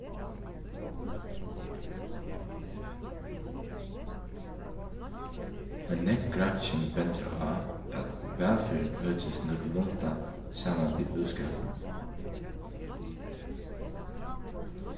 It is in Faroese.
men nógv gransking bendir á at vælferðin økist nøkulunda saman við búskapinum